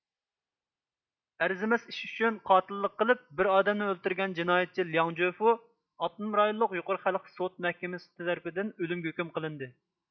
ئەرزىمەس ئىش ئۈچۈن قاتىللىق قىلىپ بىر ئادەمنى ئۆلتۈرگەن جىنايەتچى لياڭ جۆفۇ ئاپتونوم رايونلۇق يۇقىرى خەلق سوت مەھكىمىسى تەرىپىدىن ئۆلۈمگە ھۆكۈم قىلىندى